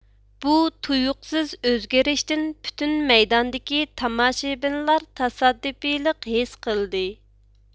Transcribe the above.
بۇ تۇيۇقسىز ئۆزگىرىشتىن پۈتۈن مەيداندىكى تاماشىبىنلار تاسادىپىيلىق ھېس قىلدى